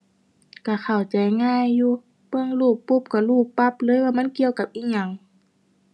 ก็เข้าใจง่ายอยู่ เบิ่งรูปปุ๊บก็รู้ปั๊บเลยว่ามันเกี่ยวกับอิหยัง